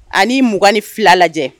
Ani mugan ni fila lajɛ